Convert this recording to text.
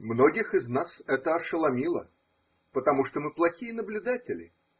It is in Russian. Многих из нас это ошеломило – потому что мы плохие наблюдатели.